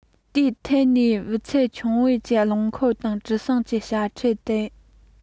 འདིའི ཐད ནས འབུད ཚད ཆུང བའི ཀྱི རླངས འཁོར དང གྲུ གཟིངས ཀྱི དཔྱ ཁྲལ འདེམས